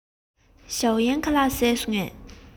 ཞའོ གཡན ཁ ལག བཟས སོང ངས